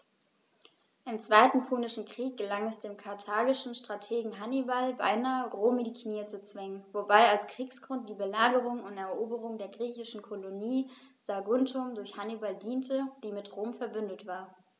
Im Zweiten Punischen Krieg gelang es dem karthagischen Strategen Hannibal beinahe, Rom in die Knie zu zwingen, wobei als Kriegsgrund die Belagerung und Eroberung der griechischen Kolonie Saguntum durch Hannibal diente, die mit Rom „verbündet“ war.